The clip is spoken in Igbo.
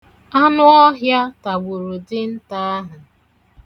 Anụọhịa tagburu dinta ahụ.